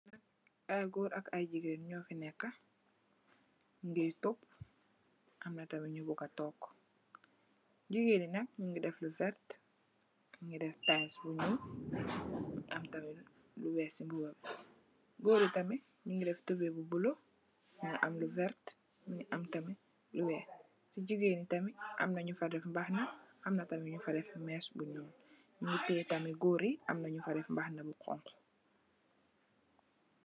Ay góor ak ay jigéen ñu fi nekka, ñu ngee töp,.. jigéen yi nak,..werta, ñu ngi tayits bu ñuul, am tamit, lu weex...Goor yi tamit, ñu ngi def, tubooy bu bulo, am lu werta, mu ngi am tamit, weex, jigéen yi tamit, am na ñu fa def mbaxana, am na tam ñu fa def mess bu ñuul, fale tamit Goor yi, am na ñu fa def mbaxana bu xoñxu.